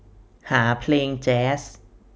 หาเพลงแจ๊ส